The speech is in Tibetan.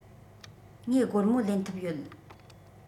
ངས སྒོར མོ ལེན ཐུབ ཡོད